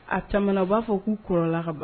A tɛm b'a fɔ k'u kɔrɔla kaban